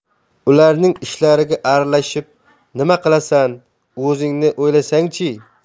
ularning ishlariga aralashib nima qilasan o'zingni o'ylasang chi